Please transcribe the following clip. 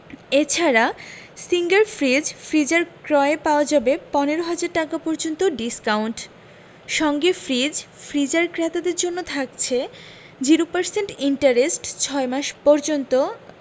এ ছাড়া Singer fridge freezer ক্রয়ে পাওয়া যাবে ১৫ ০০০ টাকা পর্যন্ত ডিসকাউন্ট সঙ্গে ফ্রিজ ফ্রিজার ক্রেতাদের জন্য থাকছে ০% ইন্টারেস্ট ৬ মাস পর্যন্ত